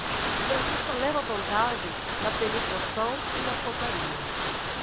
o brasil só leva vantagem na penetração e na pontaria